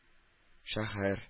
Шәһәр